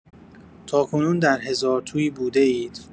تاکنون در هزارتویی بوده‌اید؟